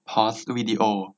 พอสวีดีโอ